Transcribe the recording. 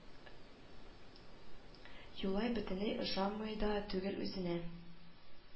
Юлай бөтенләй ошамый да түгел үзенә